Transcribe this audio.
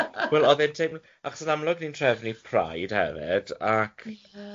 wel o'dd e dim achos yn amlwg ni'n trefnu Pride hefyd ac ie.